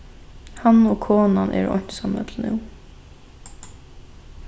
hann og konan eru einsamøll nú